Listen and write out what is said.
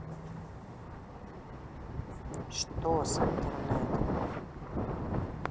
что с интернетом